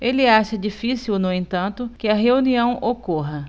ele acha difícil no entanto que a reunião ocorra